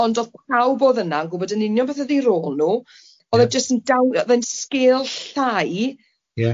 Ond o'dd pawb o'dd yna yn gwbod yn union beth o'dd 'u rôl n'w, o'dd e jyst yn dawn- oedd e'n sgêl llai... Ie...